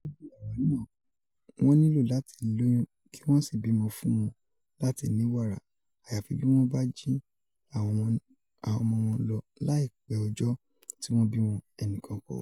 Gẹgẹbi awa naa wọn nilo lati loyun ki wọn si bimọ fun wọn lati ni wara, ayafi bi wọn ba ji awọn ọmọ wọn lọ laipẹ ọjọ ti wọn bi wọn,”ẹnikan kọ.